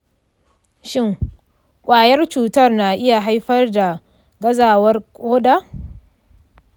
shin kwayar cutar na iya haifar da gazawar koda?